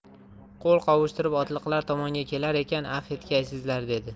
qo'l qovushtirib otliqlar tomonga kelar ekan afv etgaysizlar dedi